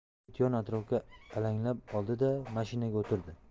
yigit yon atrofga alanglab oldi da mashinaga o'tirdi